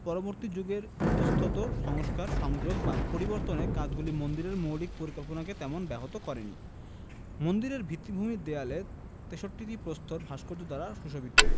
পরবর্তী যুগের ইতস্তত সংস্কার সংযোগ বা পরিবর্তনের কাজগুলি মন্দিরের মৌলিক পরিকল্পনাকে তেমন ব্যাহত করে নি মন্দিরের ভিত্তিভূমির দেয়াল ৬৩টি প্রস্তর ভাস্কর্য দ্বারা সুশোভিত